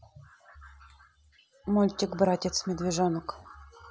мультик братец медвежонок